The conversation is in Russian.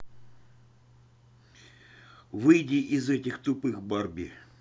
выйди из этих тупых барби